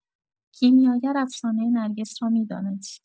کیمیاگر افسانه نرگس را می‌دانست.